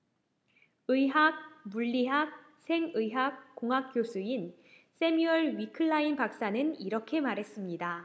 의학 물리학 생의학 공학 교수인 새뮤얼 위클라인 박사는 이렇게 말했습니다